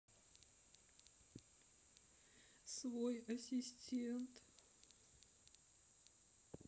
свой ассистент